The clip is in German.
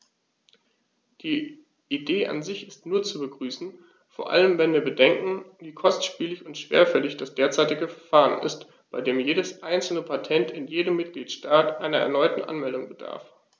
Die Idee an sich ist nur zu begrüßen, vor allem wenn wir bedenken, wie kostspielig und schwerfällig das derzeitige Verfahren ist, bei dem jedes einzelne Patent in jedem Mitgliedstaat einer erneuten Anmeldung bedarf.